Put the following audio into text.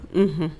Unhun